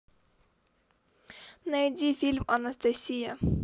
найди фильм анастасия